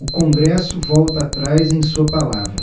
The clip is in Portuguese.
o congresso volta atrás em sua palavra